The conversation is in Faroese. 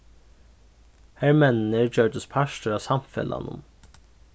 hermenninir gjørdust partur av samfelagnum